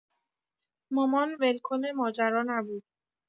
مامان ول‌کن ماجرا نبود.